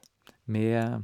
Med...